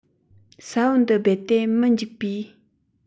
ས བོན འདི རྦད དེ མི འཇིག པའི ཚོད དཔག བྱས པ དང